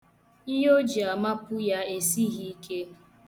Ihe o ji na-amapu ya esighi ike.